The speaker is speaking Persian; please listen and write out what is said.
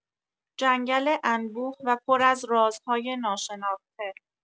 جنگل انبوه و پر از رازهای ناشناخته